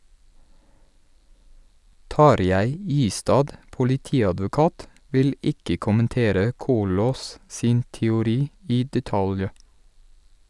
Tarjei Istad , politiadvokat , vil ikke kommentere Kolås sin teori i detalj.